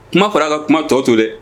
Kuma fɔra ka kuma tɔ to dɛ!